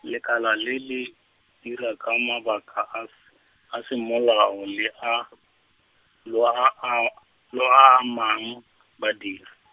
lekala le le, dira ka mabaka a s-, a semolao le a , lo a a-, lo a amang, badiri.